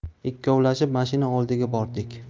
ikkovlashib mashina oldiga bordik